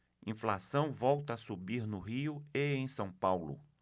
inflação volta a subir no rio e em são paulo